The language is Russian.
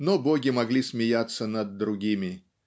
Но боги могли смеяться над другими